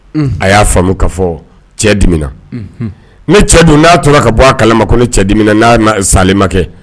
A y'a faamu ka fɔ cɛ dimina ne cɛ dun n'a tora ka bɔ a kalamankolon cɛ dimina n'a sali ma kɛ